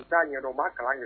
U da ɲma kalan ye